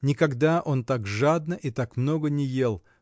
никогда он так жадно и так много не ел